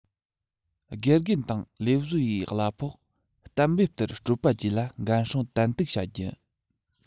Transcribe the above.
དགེ རྒན དང ལས བཟོ པའི གླ ཕོགས གཏན འབེབས ལྟར སྤྲོད པ བཅས ལ འགན སྲུང ཏན ཏིག བྱ རྒྱ